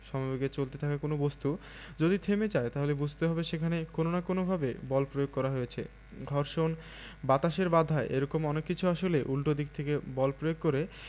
সমবেগে চলতে থাকা কোনো বস্তু যদি থেমে যায় তাহলে বুঝতে হবে সেখানে কোনো না কোনোভাবে বল প্রয়োগ করা হয়েছে ঘর্ষণ বাতাসের বাধা এ রকম অনেক কিছু আসলে উল্টো দিক থেকে বল প্রয়োগ করে